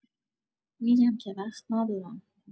می‌گم که وقت ندارم.